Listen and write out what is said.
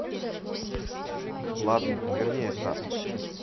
ладно вернее стас